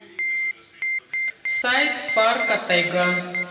сайт парка тайган